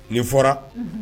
Nin fɔra